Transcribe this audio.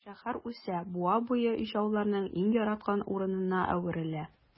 Шәһәр үсә, буа буе ижауларның иң яраткан урынына әверелә.